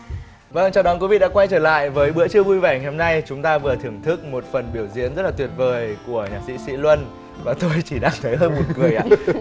vâng chào đón quý vị đã quay trở lại với bữa trưa vui vẻ ngày hôm nay chúng ta vừa thưởng thức một phần biểu diễn rất là tuyệt vời của nhạc sĩ sỹ luân và tôi chỉ đang thấy hơi buồn cười